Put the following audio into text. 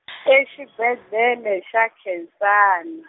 exibedlele xa Nkhensani.